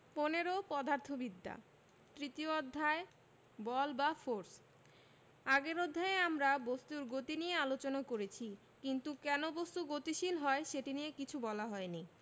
১৫ পদার্থবিদ্যা তৃতীয় অধ্যায় বল বা ফোরস আগের অধ্যায়ে আমরা বস্তুর গতি নিয়ে আলোচনা করেছি কিন্তু কেন বস্তু গতিশীল হয় সেটি নিয়ে কিছু বলা হয়নি